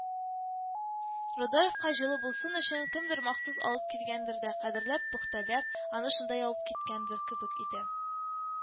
Рудольфка җылы булсын өчен кемдер махсус алып килгәндер дә кадерләп, пөхтәләп аны шунда ябып киткәндер кебек иде